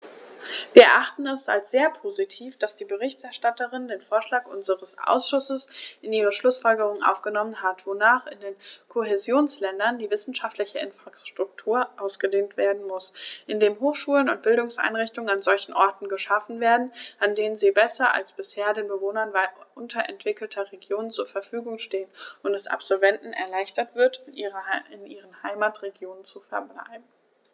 Wir erachten es als sehr positiv, dass die Berichterstatterin den Vorschlag unseres Ausschusses in ihre Schlußfolgerungen aufgenommen hat, wonach in den Kohäsionsländern die wissenschaftliche Infrastruktur ausgedehnt werden muss, indem Hochschulen und Bildungseinrichtungen an solchen Orten geschaffen werden, an denen sie besser als bisher den Bewohnern unterentwickelter Regionen zur Verfügung stehen, und es Absolventen erleichtert wird, in ihren Heimatregionen zu verbleiben.